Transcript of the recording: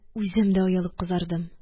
Үзем дә оялып кызардым